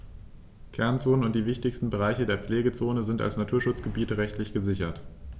Kernzonen und die wichtigsten Bereiche der Pflegezone sind als Naturschutzgebiete rechtlich gesichert.